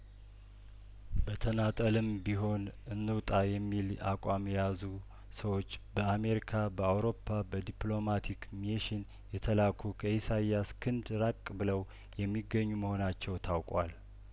በተናጠልም ቢሆን እንውጣ የሚል አቋም የያዙ ሰዎች በአሜሪካ በአውሮፓ በዲፕሎማቲክ ሚሽን የተላኩ ከኢሳያስ ክንድ ራቅ ብለው የሚገኙ መሆናቸው ታውቋል